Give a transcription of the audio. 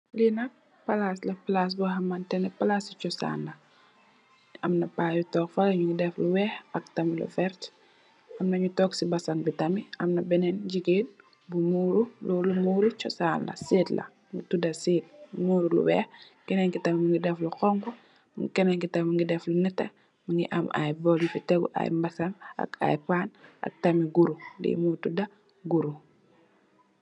Lii nak palaas la, palaas bo xamante ne palaasu cosaan la, am Paa yu toog, ñu ngi def lu ak tam lu werta, am na ñu toog tam si basang bi, am na benen jigéen bu muru, muru cosaan, sëët la, ñu tudda sëët muru lu weex kénén ki tam mu ngi def lu xoñxu, kénén mu ngi def lu nétté mu ngi